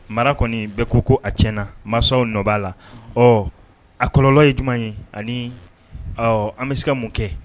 Mara kɔni bɛ ko ko a tiɲɛna mansaw nɔ b'a la ɔ a kɔlɔ ye jumɛn ye ani an bɛ se ka mun kɛ